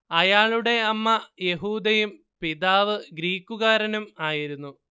അയാളുടെ അമ്മ യഹൂദയും പിതാവ് ഗ്രീക്കുകാരനും ആയിരുന്നു